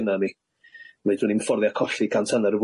gynna ni fedrwn ni'm fforddio colli cant a hannar y